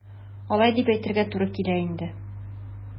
Алай дип әйтергә туры килә инде.